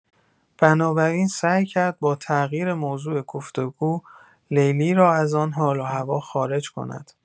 بنابراین سعی کرد با تغییر موضوع گفتگو، لیلی را از آن حال و هوا خارج کند.